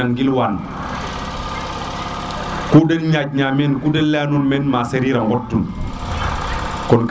a nan gil waan ku de ñañ na meen ku de leya nuun meen ma Serir a ngotun